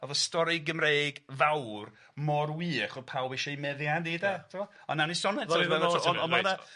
O'dd y stori Gymreig fawr mor wych o'dd pawb isie ei meddiannu 'de ti'mo' on' nawn ni sôn eto